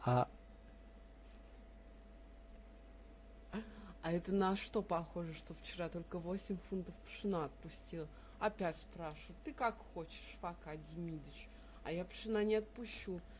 -- А это на что похоже, что вчера только восемь фунтов пшена отпустила, опять спрашивают: ты как хочешь, Фока Демидыч, а я пшена не отпущу.